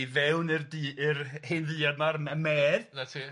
I fewn i'r du- i'r hen ddiod 'ma'r m- y medd. 'Na ti.